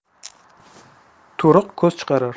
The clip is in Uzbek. to'riq ko'z chiqarar